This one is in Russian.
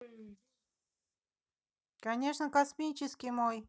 конечно космический мой